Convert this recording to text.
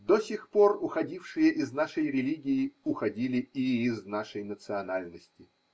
До сих пор уходившие из нашей религии уходили и из нашей национальности.